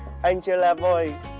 an giê la thoi